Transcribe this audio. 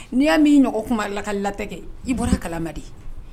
N'i y'a' ii ɲɔgɔn kuma laka latɛ i bɔra kalamadi